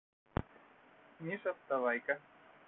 миша вставайка